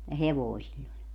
ja hevonen sillä oli